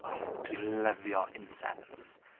O dwi'n lyfio incense.